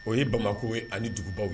O ye Bamakɔ ye ani dugubaw ye.